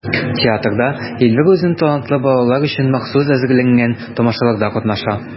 Театрда Эльвира үзен талантлы балалар өчен махсус әзерләнгән тамашаларда катнаша.